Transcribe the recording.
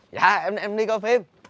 dạ em em đi coi phim